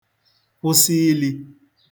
kwụsi ilī